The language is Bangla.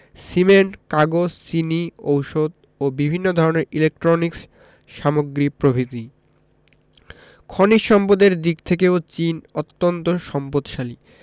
সিমেন্ট কাগজ চিনি ঔষধ ও বিভিন্ন ধরনের ইলেকট্রনিক্স সামগ্রী প্রভ্রিতি খনিজ সম্পদের দিক থেকেও চীন অত্যান্ত সম্পদশালী